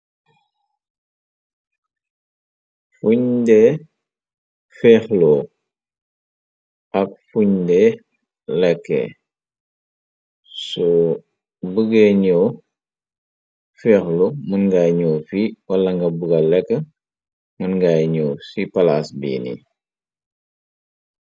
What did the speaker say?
Fuñnde feexlo ak fuñnde lekk so bëgee ñoo feexlo mën ngaay ñoo fi wala nga bugal lekk mën ngaay ñoo ci palaas biini.